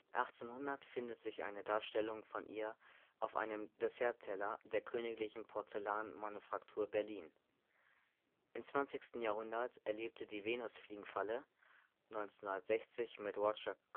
1800 findet sich eine Darstellung von ihr auf einem Dessertteller der Königlichen Porzellan-Manufaktur Berlin. Im zwanzigsten Jahrhundert erlebte die Venusfliegenfalle 1960 mit Roger Cormans